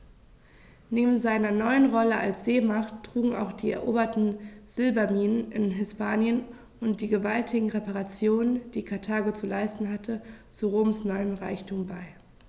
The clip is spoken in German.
Neben seiner neuen Rolle als Seemacht trugen auch die eroberten Silberminen in Hispanien und die gewaltigen Reparationen, die Karthago zu leisten hatte, zu Roms neuem Reichtum bei.